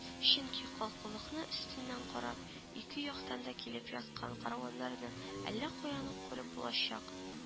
Чөнки калкулыкны өстеннән карап, ике яктан да килеп яткан кәрваннарны әллә каян ук күреп булачак